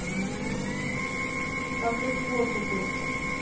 а мне пофигу